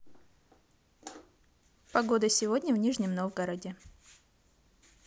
погода сегодня в нижнем новгороде